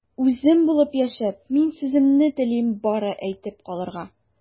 Үзем булып яшәп, мин сүземне телим бары әйтеп калырга...